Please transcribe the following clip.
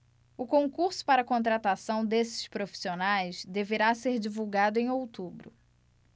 o concurso para contratação desses profissionais deverá ser divulgado em outubro